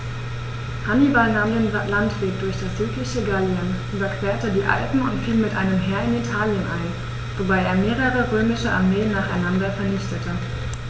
Hannibal nahm den Landweg durch das südliche Gallien, überquerte die Alpen und fiel mit einem Heer in Italien ein, wobei er mehrere römische Armeen nacheinander vernichtete.